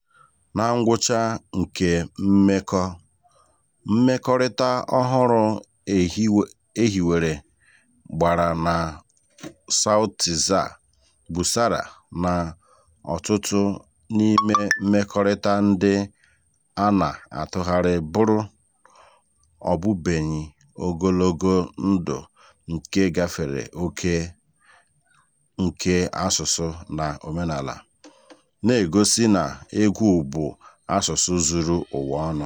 Na ngwụcha nke "mmekọ", mmekorita ọhụrụ e hiwere gbara na Sauti za Busara, na ọtụtụ n'ime mmekorita ndị a na-atụgharị bụrụ ọbụbụenyi ogologo ndụ nke gafere ókè nke asụsụ na omenaala, na-egosi na egwu bụ asụsụ zuru ụwa ọnụ.